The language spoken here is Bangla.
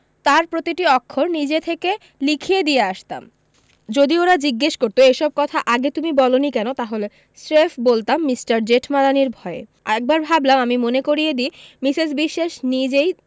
তার প্রতিটি অক্ষর নিজে থেকে লিখিয়ে দিয়ে আসতাম যদি ওরা জিজ্ঞেস করতো এ সব কথা আগে তুমি বলোনি কেন তাহলে স্রেফ বলতাম মিষ্টার জেঠমালানির ভয়ে একবার ভাবলাম আমি মনে করিয়ে দিই মিসেস বিশ্বাস নিজই